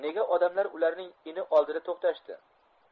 nega odamlar ularning ini oldida to'xtashdi